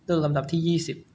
เลือกลำดับที่ยี่สิบ